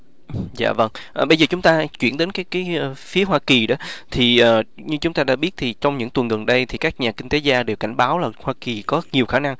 dạ vâng bây giờ chúng ta chuyển đến cái cái phía hoa kỳ đó thì như chúng ta đã biết thì trong những tuần gần đây thì các nhà kinh tế gia đều cảnh báo là hoa kỳ có nhiều khả năng